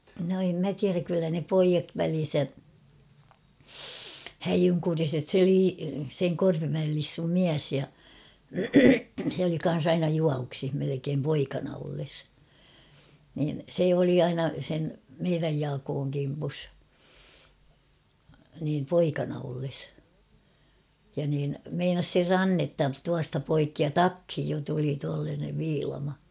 no en minä tiedä kyllä ne pojat välinsä häijynkuriset se - sen Korpimäen Lissun mies ja se oli kanssa aina juovuksissa melkein poikana ollessa niin se oli aina sen meidän Jaakon kimpussa niin poikana ollessa ja niin meinasi sen rannetta tuosta poikki ja takkiin jo tuli tuollainen viilama